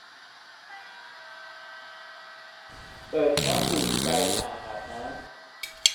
เปิดน้ำอุ่นใส่อ่างอาบน้ำ